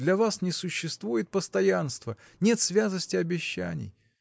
для вас не существует постоянства, нет святости обещаний.